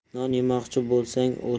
non yemoqchi bo'lsang